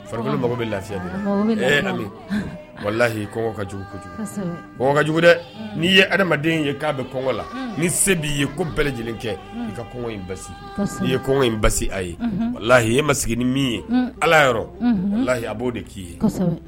Farikolokolo mago bɛ lafi dɛmi wa lahi kɔngɔ ka jugu kojugu wa jugu dɛ n'i ye adamaden ye k'a bɛ kɔngɔ la ni se b'i ye ko bɛɛ lajɛlen kɛ i ka kɔngɔ in basi n'i ye kɔngɔ in basi a ye lahi ye masigi ni min ye ala yɔrɔhi a b'o de k'i ye